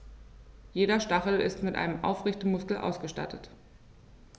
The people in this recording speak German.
Jeder Stachel ist mit einem Aufrichtemuskel ausgestattet.